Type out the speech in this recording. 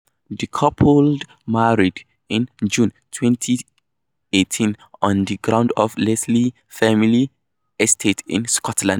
The couple married in June 2018 on the grounds of Leslie's family estate in Scotland.